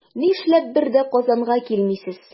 Нишләп бер дә Казанга килмисез?